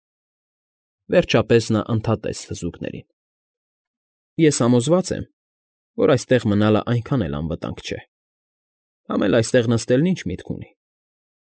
Վերջապես նա ընդհատեց թզուկներին. ֊ Ես համոզված եմ, որ այստեղ մնալն այնքան էլ անվտանգ չէ, համ էլ այստեղ նստելն ինչ միտք ունի։